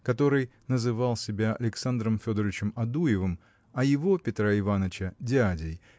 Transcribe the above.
который называл себя Александром Федорычем Адуевым а его – Петра Иваныча – дядей